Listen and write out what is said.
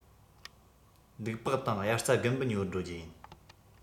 ལུག པགས དང དབྱར རྩྭ དགུན འབུ ཉོ བར འགྲོ རྒྱུ ཡིན